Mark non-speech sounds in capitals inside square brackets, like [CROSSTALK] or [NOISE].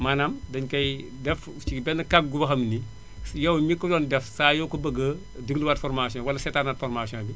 maanaam dañu kay def [NOISE] ci benn kàggu boo xam ne nii yow mi ko yoon def saa yoo ko bëgg a dégluwaat formation wala seetaanaat formation bi